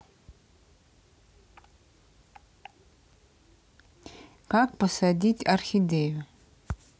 как посадить орхидею